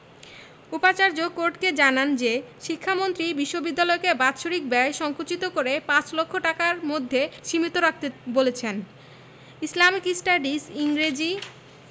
উপাচার্য কোর্টকে জানান যে শিক্ষামন্ত্রী বিশ্ববিদ্যালয়কে বাৎসরিক ব্যয় সংকুচিত করে পাঁচ লক্ষ টাকার মধ্যে সীমিত রাখতে বলেছেন ইসলামিক স্টাডিজ ইংরেজি